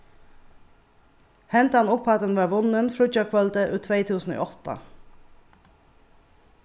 henda upphæddin varð vunnin fríggjakvøldið í tvey túsund og átta